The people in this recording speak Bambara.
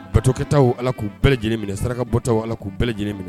Batokɛtaw Ala k'u bɛɛ lajɛlen minɛ sarakabɔtaw Ala k'u bɛɛ lajɛlen minɛ.